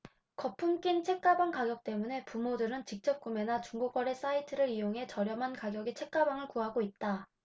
거품 낀 책가방 가격 때문에 부모들은 직접구매나 중고거래 사이트를 이용해 저렴한 가격에 책가방을 구하고 있다